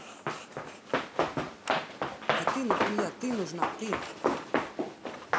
а ты нахуя ты нужна ты